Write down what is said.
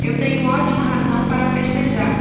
eu tenho ótima razão para festejar